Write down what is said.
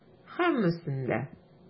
Һәммәсен дә.